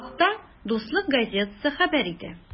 Бу хакта “Дуслык” газетасы хәбәр итә.